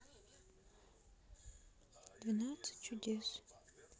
двенадцать чудес